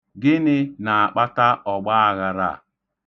Gịni ̣na-akpata ọgbaaghara a?